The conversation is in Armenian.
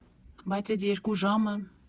Բայց էդ երկու ժամը…